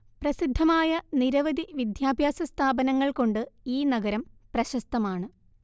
പ്രസിദ്ധമായ നിരവധി വിദ്യാഭ്യാസ സ്ഥാപനങ്ങള്‍ കൊണ്ട് ഈ നഗരം പ്രശസ്തമാണ്